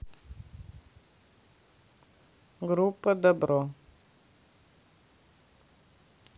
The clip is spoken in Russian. группа dabro